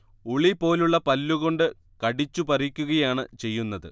ഉളി പോലുള്ള പല്ലു കൊണ്ട് കടിച്ചു പറിക്കുകയാണ് ചെയ്യുന്നത്